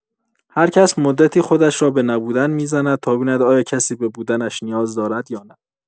هر کسی مدتی خودش را به نبودن می‌زند تا ببیند آیا کسی به بودنش نیاز دارد یا نه!